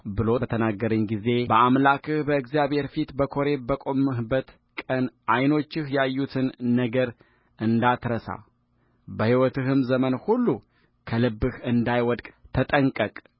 ብሎ በተናገረኝ ጊዜ በአምላክህ በእግዚአብሔር ፊት በኮሬብ በቆምህበት ቀን ዓይኖችህ ያዩትን ነገር እንዳትረሳ በሕይወትህም ዘመን ሁሉ ከልብህ እንዳይወድቅ ተጠንቀቅ